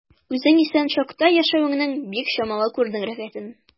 Үзең исән чакта яшәвеңнең бик чамалы күрдең рәхәтен.